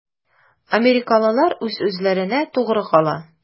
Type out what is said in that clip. Америкалылар үз-үзләренә тугры кала.